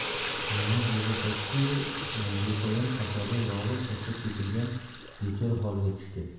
zaynab uyiga qaytdi yu bepoyon sahroda yolg'iz tashlab ketilgan bechora holiga tushdi